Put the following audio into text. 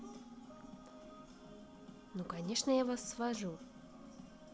ну конечно я вас свожу